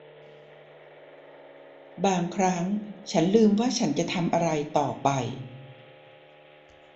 บางครั้งฉันลืมว่าฉันจะทำอะไรต่อไป